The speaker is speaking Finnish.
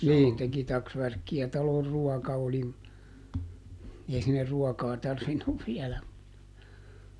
niin teki taksvärkkiä talon ruoka oli - ei sinne ruokaa tarvinnut viedä mutta